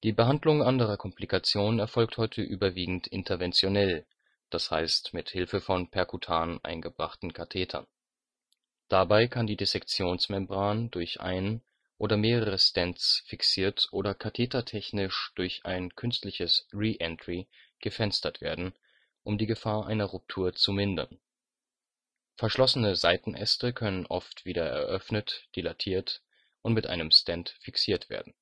Behandlung anderer Komplikationen erfolgt heute überwiegend interventionell, d. h. mit Hilfe von perkutan eingebrachten Kathetern. Dabei kann die Dissektionsmembran durch einen oder mehrere Stents fixiert oder kathetertechnisch durch ein künstliches re-entry „ gefenstert “werden, um die Gefahr einer Ruptur zu mindern. Verschlossene Seitenäste können oft wieder eröffnet, dilatiert und mit einem Stent fixiert werden